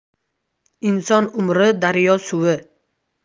inson umri daryo suvi